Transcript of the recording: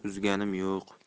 ko'zimni uzganim yo'q